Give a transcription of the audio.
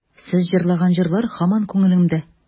Сез җырлаган җырлар һаман күңелемдә.